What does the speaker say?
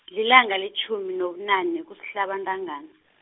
lilanga letjhumi nobunane, kuSihlabantangana .